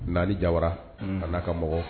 Jawarara a n'a ka mɔgɔ.